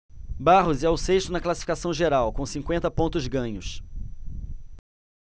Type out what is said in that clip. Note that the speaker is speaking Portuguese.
barros é o sexto na classificação geral com cinquenta pontos ganhos